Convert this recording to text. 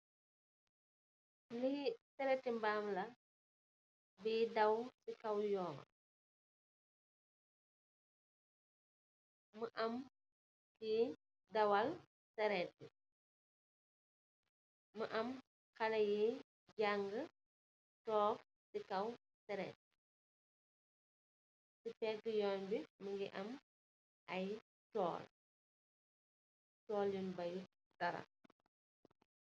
Lii sarret i mbaam la buy daw si kow yoon. Mu am kuy dawal sarret bi. Mu am xalé yuy jaañgi ñu toog si kow sarret bi. Si peegë yoon bi mu am tool, tool yuñge bëy dara.